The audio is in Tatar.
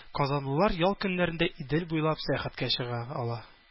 Казанлылар ял көннәрендә Идел буйлап сәяхәткә чыга ала.